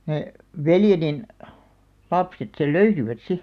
ne veljeni lapset sen löysivät sitten